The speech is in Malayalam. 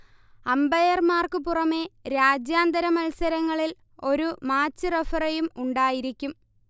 അമ്പയർമാർക്കു പുറമേ രാജ്യാന്തര മത്സരങ്ങളിൽ ഒരു മാച്ച് റഫറിയും ഉണ്ടായിരിക്കും